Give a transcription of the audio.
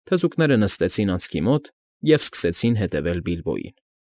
Թզուկները նստեցին անցքի մոտ և սկսեցին հետևել Բիլբոյին։